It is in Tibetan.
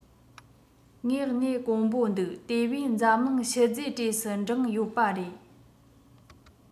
དངོས གནས དཀོན པོ འདུག དེ བས འཛམ གླིང ཤུལ རྫས གྲས སུ བསྒྲེངས ཡོད པ རེད